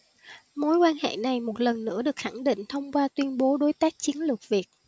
mối quan hệ này một lần nữa được khẳng định thông qua tuyên bố đối tác chiến lược việt